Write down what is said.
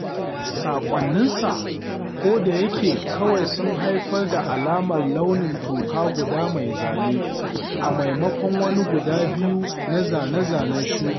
Sakonninsa, kodayake, kawai sun haifar da alamar launin toka guda mai zane, a maimakon wani guda biyu na zane-zane shudi.